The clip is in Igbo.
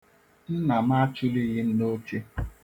Nna m achụlighị m n'oche.